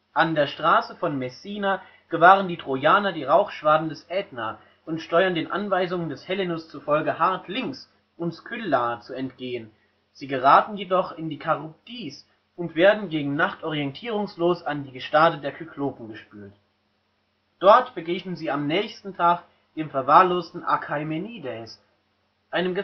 An der Straße von Messina gewahren die Trojaner die Rauchschwaden des Ätna und steuern den Anweisungen des Helenus zufolge hart links, um Scylla zu entgehen; sie geraten jedoch in die Charybdis und werden gegen Nacht orientierungslos an die Gestade der Kyklopen gespült. Dort begegnen sie am nächsten Tag dem verwahrlosten Achaemenides, einem